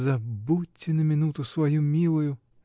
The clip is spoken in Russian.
Забудьте на минуту свою милую.